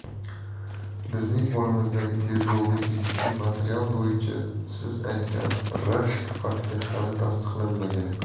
bizning qo'limizdagi tergovga tegishli material bo'yicha siz aytgan rashk fakti hali tasdiqlanmagan